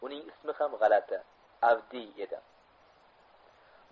uning ismi ham g'alati avdiy edi